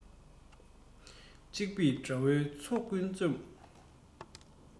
གཅིག པུས དགྲ བོའི ཚོགས ཀུན བཅོམ